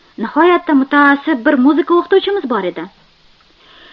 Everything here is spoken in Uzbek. nihoyatda mutaassib bir musiqa o'qituvchimiz bor edi